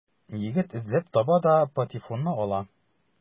Егет эзләп таба да патефонны ала.